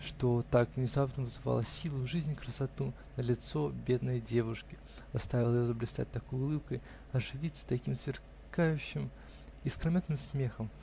что так внезапно вызвало силу, жизнь и красоту на лицо бедной девушки, заставило его заблистать такой улыбкой, оживиться таким сверкающим, искрометным смехом?